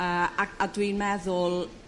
A ac a dw i'n meddwl